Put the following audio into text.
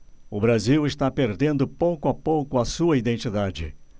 o brasil está perdendo pouco a pouco a sua identidade